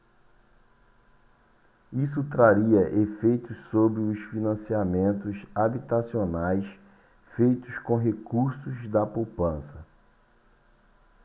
isso traria efeitos sobre os financiamentos habitacionais feitos com recursos da poupança